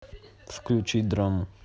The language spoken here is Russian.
включи драмуху